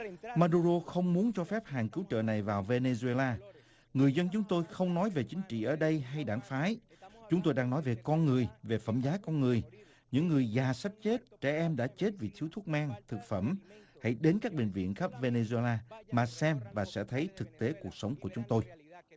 ma đu rô không muốn cho phép hàng cứu trợ này vào vê nê duê la người dân chúng tôi không nói về chính trị ở đây hay đảng phái chúng tôi đang nói về con người về phẩm giá con người những người già sắp chết trẻ em đã chết vì thiếu thuốc men thực phẩm hãy đến các bệnh viện khắp vê nê duê la mà xem bạn sẽ thấy thực tế cuộc sống của chúng tôi